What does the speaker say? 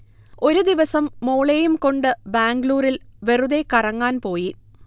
ഒരു ദിവസം മോളേയും കൊണ്ട് ബാംഗ്ലൂരിൽ വെറുതെ കറങ്ങാൻ പോയി